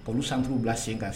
Ka olu centrew bila sen kan